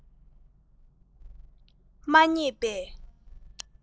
མ ཪྙེད པས